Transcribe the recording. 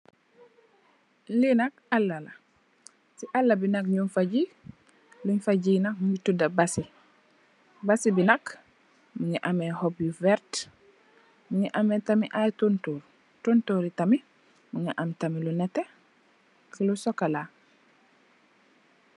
Lenak alala.si ala bi nak lun fa gi mui basi. basibinak mugi ameh hop yu verter, mu nge ameh tamit ai tontor, tontor yi tamit munge ameh lu nette.